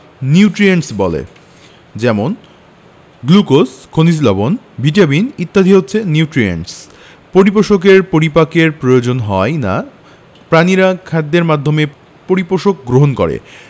nutrients বলে যেমন glucose খনিজ লবন ভিটামিন ইত্যাদি হচ্ছে নিউট্রিয়েন্টস পরিপোষকের পরিপাকের প্রয়োজন হয় না প্রাণীরা খাদ্যের মাধ্যমে পরিপোষক গ্রহণ করে